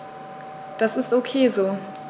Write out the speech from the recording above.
Das ist ok so.